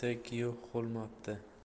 bitta giyoh qolmabdi